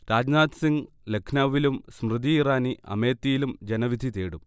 രാജ്നാഥ് സിംഗ് ലക്നൌവിലും സ്മൃതി ഇറാനി അമേത്തിയിലും ജനവിധി തേടും